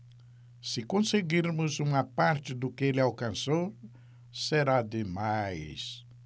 se conseguirmos uma parte do que ele alcançou será demais